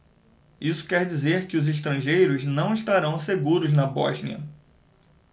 isso quer dizer que os estrangeiros não estarão seguros na bósnia